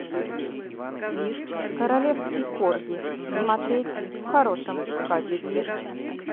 королевский корги смотреть в хорошем качестве